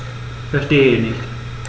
Verstehe nicht.